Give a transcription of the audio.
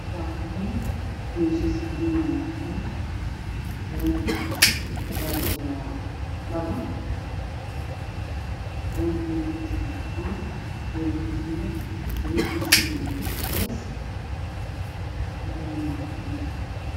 Waa kareen meesha uu saaran yahay waa dhagax ,kareemka wuxuu ku jira dhalo, kareemka midabkiisu waa cadaan dhalada ku jira dabool kiisa waa cadays dhaladuna waa cadaan